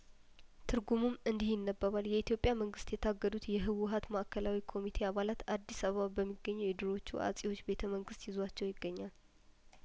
ትርጉሙም እንዲህ ይነ በባል የኢትዮጵያ መንግስት የታገዱት የህወሀት ማእከላዊ ኮሚቴ አባላት አዲስ አባ በሚገኘው የድሮዎቹ አጼዎች ቤተ መንግስት ይዟቸው ይገኛል